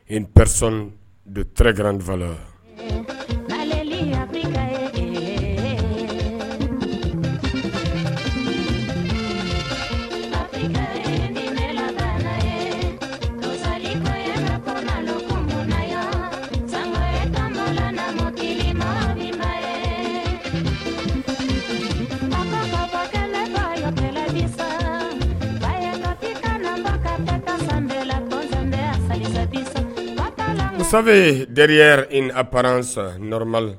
I tɛ don tarawele garanrantifa la saba teriya ni araransa nɔrɔma la